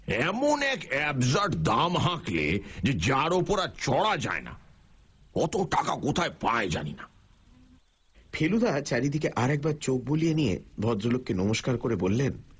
এমন এক অ্যাবসার্ড দাম হাঁকল যে যার ওপর আর চড়া যায় না অত টাকা কোথায় পায় জানি না ফেলুদা চারিদিকে আরেকবার চোখ বুলিয়ে নিয়ে ভদ্রলোককে নমস্কার করে বললেন